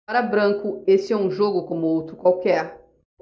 para branco este é um jogo como outro qualquer